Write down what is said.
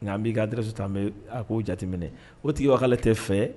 Nka an b'i kadraso tan an bɛ a ko jateminɛ o tigi wa tɛ fɛ